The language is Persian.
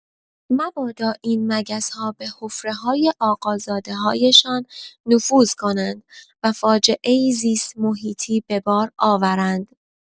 مبادا این مگس‌ها به حفره‌های آقازاده‌هایشان نفوذ کنند و فاجعه‌ای زیست‌محیطی به بار آورند.